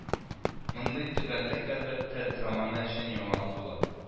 Мондый төгәллек, әлбәттә, заманы өчен яңалык була